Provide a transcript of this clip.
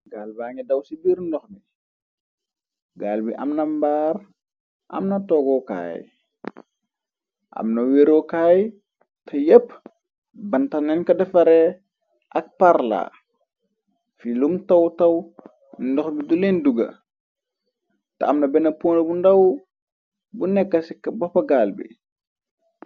Gaal ba ngi daw ci biir ndox mi, gaal bi amna mbaar, amna toogokaay, amna werookaay, te yépp bantaxnen ko defare ak parla, fiilum taw-taw ndox bi du leen duga, te amna benn pone bu ndaw bu nekk ci boppa gaal bi.